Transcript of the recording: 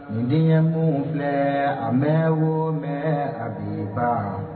Nin ɲɛkun filɛ a bɛ wo mɛn a bi